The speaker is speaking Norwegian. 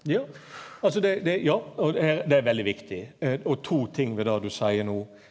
ja altså det det ja og det her det er veldig viktig og to ting ved det du seier no.